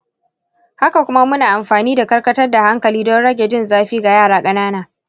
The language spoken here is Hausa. haka kuma muna amfani da karkatar da hankali don rage jin zafi ga yara ƙanana.